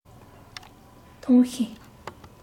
ཐང ཤིང